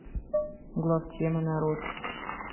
главтема народ